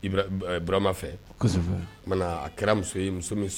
I burama fɛ o a kɛra muso ye muso min